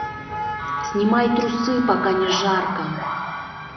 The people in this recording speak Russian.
снимай трусы пока не жарко